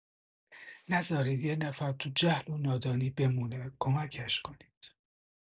نزارید یه نفر تو جهل و نادانی بمونه کمکش کنید